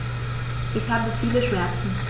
Ich habe viele Schmerzen.